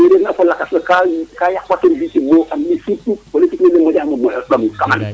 ga yaq wato yo ndiki bo